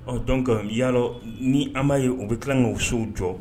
Ɔ dɔnke ya ni an b'a ye u bɛ tila ni' u so jɔ